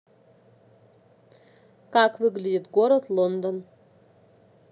как выглядит город лондон